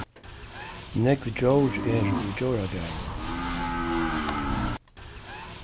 nógv djór eru í djóragarðinum